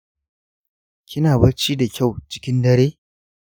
kina bacci da kyau cikin dare?